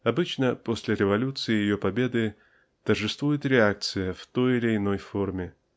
Обычно после революции и ее победы торжествует реакция в той или иной форме.